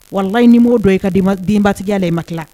Walayi ni mo dɔn i ka denbatigiya lah i ma kila.